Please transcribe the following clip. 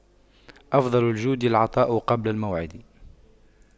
أفضل الجود العطاء قبل الموعد